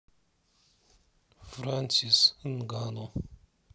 франсис нганну